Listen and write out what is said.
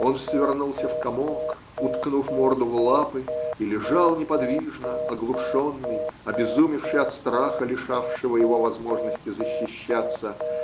он свернулся в комок, уткнув морду в лапы, и лежал неподвижно, оглушенный, обезумевший от страха, лишавшего его возможности защищаться.